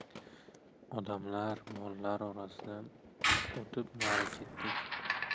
odamlar mollar orasidan o'tib nari ketdik